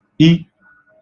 i